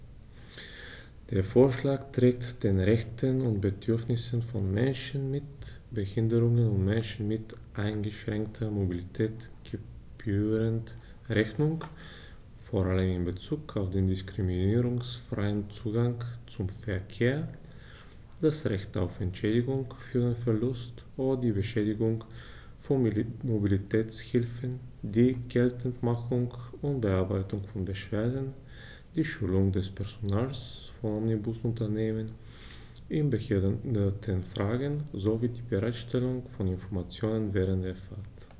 Der Vorschlag trägt den Rechten und Bedürfnissen von Menschen mit Behinderung und Menschen mit eingeschränkter Mobilität gebührend Rechnung, vor allem in Bezug auf den diskriminierungsfreien Zugang zum Verkehr, das Recht auf Entschädigung für den Verlust oder die Beschädigung von Mobilitätshilfen, die Geltendmachung und Bearbeitung von Beschwerden, die Schulung des Personals von Omnibusunternehmen in Behindertenfragen sowie die Bereitstellung von Informationen während der Fahrt.